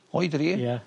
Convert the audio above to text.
Oed yr un? Ia.